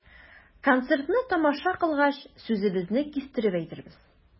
Концертны тамаша кылгач, сүзебезне кистереп әйтербез.